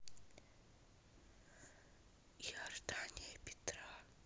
иордания петра